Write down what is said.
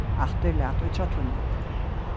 aftur læt í trøllinum